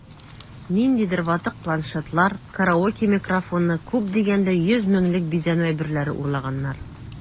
Ниндидер ватык планшетлар, караоке микрофоны(!), күп дигәндә 100 меңлек бизәнү әйберләре урлаганнар...